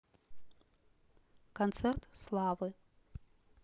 концерт славы